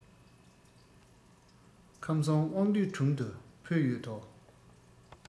ཁམས གསུམ དབང འདུས དྲུང དུ ཕུལ ཡོད དོ